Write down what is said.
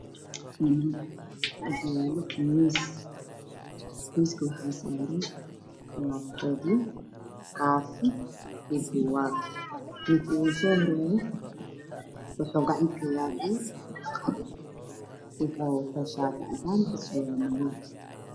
Waa miyis waxaa yaalo warqado caddaan computerro niman fara badan iyo hal gabar wadato ayaa madow